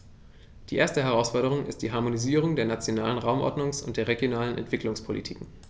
Die erste Herausforderung ist die Harmonisierung der nationalen Raumordnungs- und der regionalen Entwicklungspolitiken.